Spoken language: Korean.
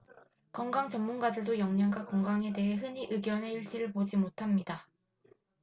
건강 전문가들도 영양과 건강에 대해 흔히 의견의 일치를 보지 못합니다